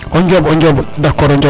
o Diob o Diob d' accord o NDiob